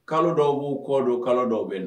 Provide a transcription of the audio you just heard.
Kalo dɔw b'u kɔ don kalo dɔw bɛ na